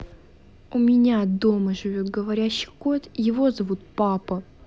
у меня дома живет говорящий кот его зовут папа